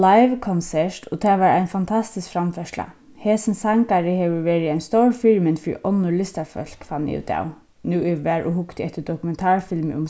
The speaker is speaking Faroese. live konsert og tað var ein fantastisk framførsla hesin sangari hevur verið ein stór fyrimynd fyri onnur listafólk fann eg útav nú eg var og hugdi eftir dokumentarfilmi um